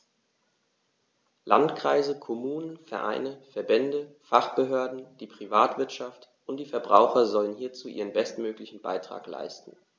Landkreise, Kommunen, Vereine, Verbände, Fachbehörden, die Privatwirtschaft und die Verbraucher sollen hierzu ihren bestmöglichen Beitrag leisten.